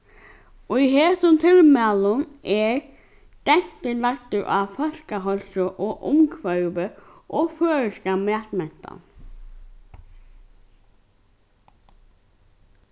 í hesum tilmælum er dentur lagdur á fólkaheilsu og umhvørvi og føroyska matmentan